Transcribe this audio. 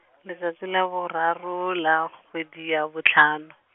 letšatši la boraro, la kgwedi ya bohlano.